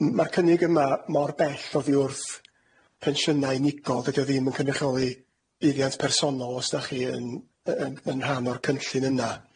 M- ma'r cynnig yma mor bell oddi wrth pensiyna' unigol, dydi o ddim yn cynrychioli buddiant personol os dach chi yn yy yn yn rhan o'r cynllun yna.